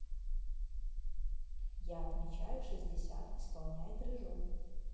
я отмечаю шестьдесят исполняет рыжу